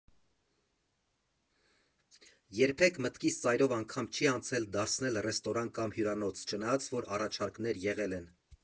Երբեք մտքիս ծայրով անգամ չի անցել դարձնել ռեստորան կամ հյուրանոց, չնայած, որ առաջարկներ եղել են։